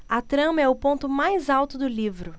a trama é o ponto mais alto do livro